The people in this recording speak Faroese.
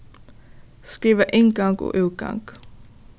skriva inngang og útgang